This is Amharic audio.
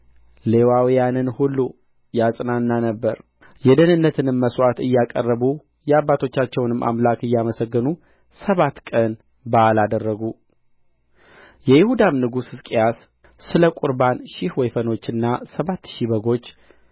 ሌዋውያንን ሁሉ ያጽናና ነበር የደኅንነትንም መሥዋዕት እያቀረቡ የአባቶቻቸውንም አምላክ እያመሰገኑ ሰባት ቀን በዓል አደረጉ የይሁዳም ንጉሥ ሕዝቅያስ ስለ ቍርባን ሺህ ወይፈኖችና ሰባት ሺህ በጎች